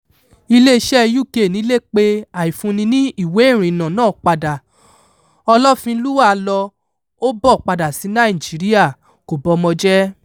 Ilé-iṣẹ́ UK Nílé pe àìfúni ní ìwé ìrìnnà náà padà. Ọlọ́finlúà lọ, ó bọ̀ padà sí Nàìjíríà, kò b'ọmọ jẹ́.